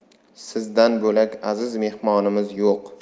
sizdan bo'lak aziz mehmonimiz yo'q